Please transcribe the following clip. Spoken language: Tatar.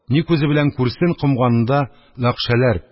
Ни күзе берлән күрсен, комганында лакшәләр